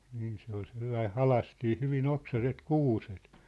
niin se oli sellainen halkaistiin hyvin oksaiset kuuset